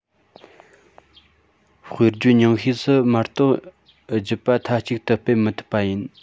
དཔེར བརྗོད ཉུང ཤས སུ མ གཏོགས རྒྱུད པ མཐའ གཅིག ཏུ སྤེལ མི ཐུབ པ ཡིན